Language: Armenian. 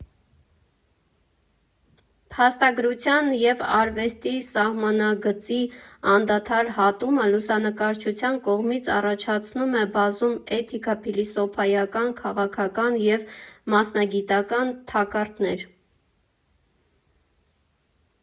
Փաստագրության և արվեստի սահմանագծի անդադար հատումը լուսանկարչության կողմից առաջացնում է բազում էթիկա֊փիլիսոփայական, քաղաքական և մասնագիտական թակարդներ։